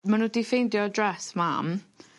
Ma' n'w 'di ffeindio address mam